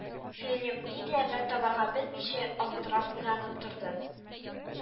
Фелим, нинди әмәл табарга белмичә, аптырап уйланып торды